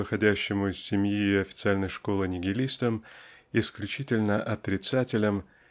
выходящему из семьи и официальной школы нигилистом исключительно отрицателем